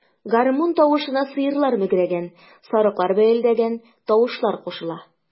Гармун тавышына сыерлар мөгрәгән, сарыклар бәэлдәгән тавышлар кушыла.